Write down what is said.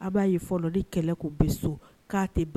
A b'a ye fɔlɔ ni kɛlɛ tun bɛ so k'a tɛ